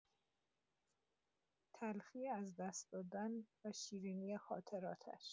تلخی از دست دادن و شیرینی خاطراتش.